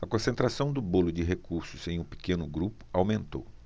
a concentração do bolo de recursos em um pequeno grupo aumentou